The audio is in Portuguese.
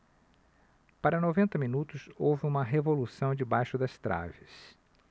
para noventa minutos houve uma revolução debaixo das traves